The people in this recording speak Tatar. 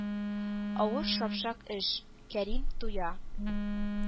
Авыр, шапшак эш. Кәрим туя.